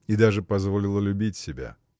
— И даже позволила любить себя.